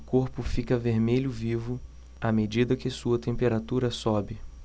o corpo fica vermelho vivo à medida que sua temperatura sobe